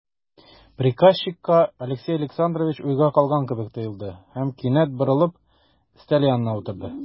Приказчикка Алексей Александрович уйга калган кебек тоелды һәм, кинәт борылып, өстәл янына утырды.